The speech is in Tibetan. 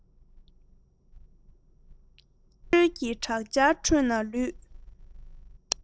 ཕྱི རོལ གྱི དྲག ཆར ཁྲོད ན ལུས